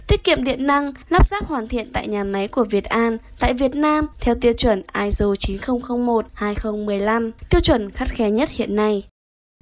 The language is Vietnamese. tiết kiệm điện năng lắp ráp hoàn thiện tại nhà máy của việt an tại việt nam theo tiêu chuẩn iso tiêu chuẩn khắt khe nhất hiện nay